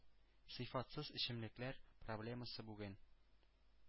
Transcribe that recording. Сыйфатсыз эчемлекләр проблемасы бүген